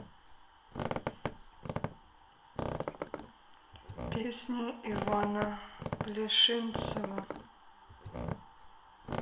песни ивана плешинцева